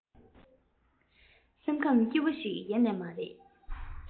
སེམས ཁམས སྐྱིད པོ ཞིག ཡེ ནས མ རེད